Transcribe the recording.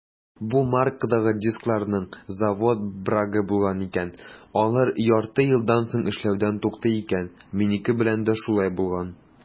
Бу маркадагы дискларның завод брагы булган икән - алар ярты елдан соң эшләүдән туктый икән; минеке белән дә шулай булган.